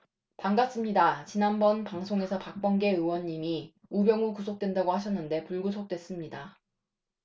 반갑습니다 지난번 방송에서 박범계 의원님이 우병우 구속된다고 하셨는데 불구속됐습니다